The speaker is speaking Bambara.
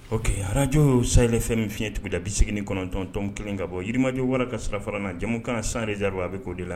O kɛ arajo ye sayɛlɛfɛn min fi fiɲɛɲɛtigɛ da bise kɔnɔntɔntɔn kelen ka bɔ yirimajɔ wara ka sira fara na jamumukan kan san dezari wa a bɛ'o de la